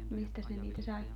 mistäs ne niitä sai